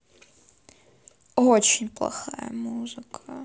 очень плохая музыка